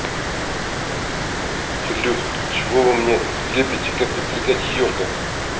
салют чего вы мне лепите как подстригать йорка